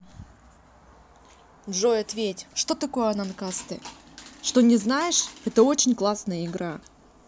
джой ответь что такое ананкасты что не знаешь это очень классная игра